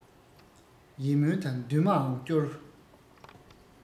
ཡིད སྨོན དང འདུན མའང བཅོལ